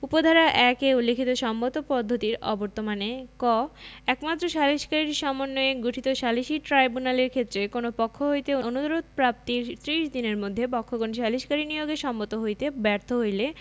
উপ ধারা ১ এ উল্লেখিত সম্মত পদ্ধতির অবর্তমানে ক একমাত্র সালিকসারীর সমন্বয়ে গঠিত সালিসী ট্রাইব্যুনালের ক্ষেত্রে কোন পক্ষ হইতে অনুরোধ প্রাপ্তির ত্রিশ দিনের মধ্যে পক্ষগণ সালিসকারী নিয়োগে সম্মত হইতে ব্যর্থ হইলে